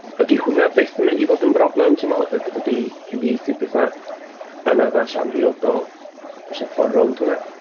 Ydy hwnna byth yn mynd i fod yn broblem ti'n meddwl, yd- ydy cyfieithu petha anaddas amhriodol... oes 'na ffordd rownd hwnna?